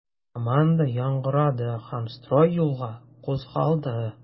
Команда яңгырады һәм строй юлга кузгалды.